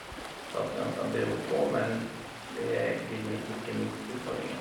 Statlig ansatt, det er OK, men det gir meg ikke nok utfordringer.